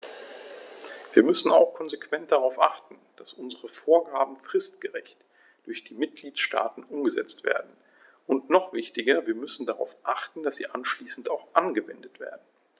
Wir müssen auch konsequent darauf achten, dass unsere Vorgaben fristgerecht durch die Mitgliedstaaten umgesetzt werden, und noch wichtiger, wir müssen darauf achten, dass sie anschließend auch angewendet werden.